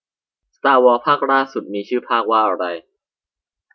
สตาร์วอร์ภาคล่าสุดมีชื่อภาคว่าอะไร